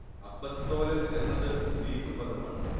അപ്പസ്തോലൻ എന്നത് ഗ്രീക്കു പദമാണ്